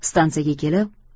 stansiyaga kelib